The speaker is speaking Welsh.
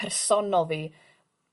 ...personol fi